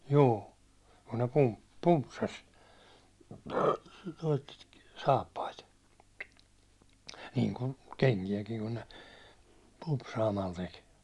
juu kun ne - pumpsasi noita saappaita niin kuin kenkiäkin kun ne pumpsaamalla teki